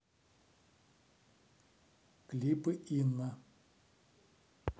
клипы инна